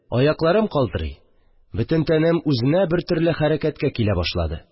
Аякларым калтырый, бөтен тәнем үзенә бертөрле хәрәкәткә килә башлады.